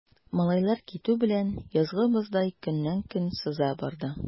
Малайлар китү белән, язгы боздай көннән-көн сыза барды.